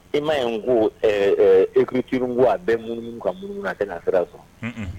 I m ma n ko ekut ko a bɛ mununu ka mununu a kɛ n na sira sɔrɔ